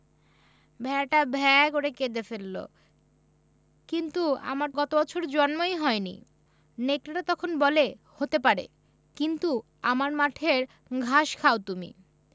ভেড়াটা ভ্যাঁ করে কেঁদে ফেলল কিন্তু আমার গত বছর জন্মই হয়নি নেকড়েটা তখন বলে হতে পারে কিন্তু আমার মাঠের ঘাস খাও তুমি